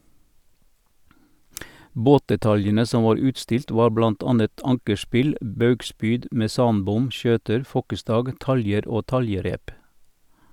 Båtdetaljene som var utstilt var blant annet ankerspill, baugspyd, mesanbom, skjøter, fokkestag, taljer og taljerep.